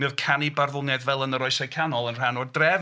Mi oedd canu barddoniaeth fel yn yr oesau canol yn rhan o'r drefn.